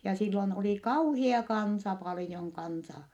ja silloin oli kauhea kansa paljon kansaa